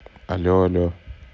але але